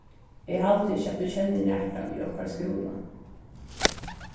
eg haldi ikki at tú kennir nakran í okkara skúla